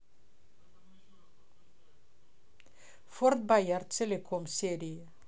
форт боярд целиком серии